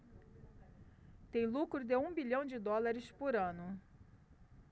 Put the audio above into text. tem lucro de um bilhão de dólares por ano